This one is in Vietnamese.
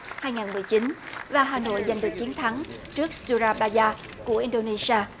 hai ngàn mười chín và hà nội giành được chiến thắng trước su ra ba da của in đô nê xi a